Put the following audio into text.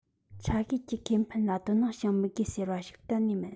ཆ ཤས ཀྱི ཁེ ཕན ལ དོ སྣང བྱ མི དགོས ཟེར བ ཞིག གཏན ནས མིན